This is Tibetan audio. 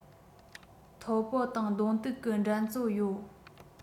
ཐའོ པའོ དང གདོང གཏུག གི འགྲན རྩོད ཡོད